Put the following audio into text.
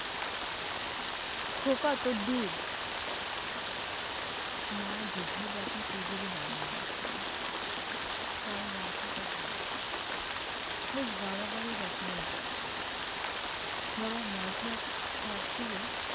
খোকা তোর দুধ মা দুধের বাটি টেবিলে নামিয়ে রাখলেন কাল রাতে তার জ্বর এসেছিল বেশ বাড়াবাড়ি রকমের জ্বর বাবা মাঝ রাত্তিরে